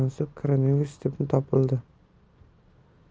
mansub koronavirus deb topilgan